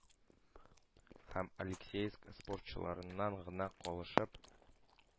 Һәм алексеевск спортчыларыннан гына калышып,